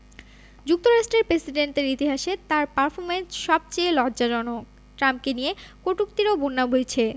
যুক্তরাষ্ট্রের প্রেসিডেন্টদের ইতিহাসে তাঁর পারফরমেন্স সবচেয়ে লজ্জাজনক ট্রাম্পকে নিয়ে কটূক্তিরও বন্যা বইছে